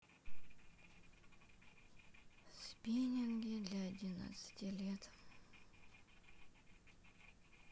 спиннинги для одиннадцати лет